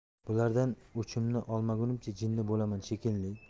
bulardan o'chimni olgunimcha jinni bo'laman shekilli